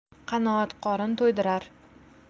qanoat qorin to'ydirar